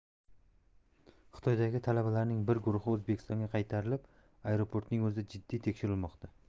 xitoydagi talabalarning bir guruhi o'zbekistonga qaytarilib aeroportning o'zida jiddiy tekshirilmoqda